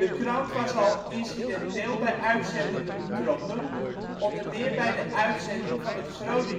krant was al incidenteel bij uitzendingen betrokken, onder meer bij de uitzending van het Groot